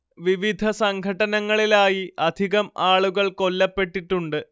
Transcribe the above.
വിവിധ സംഘട്ടനങ്ങളിലായി അധികം ആളുകൾ കൊല്ലപ്പെട്ടിട്ടുണ്ട്